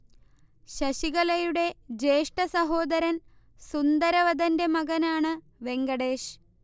ശശികലയുടെ ജ്യേഷ്ഠ സഹോദരൻ സുന്ദരവദന്റെ മകനാണ് വെങ്കടേഷ്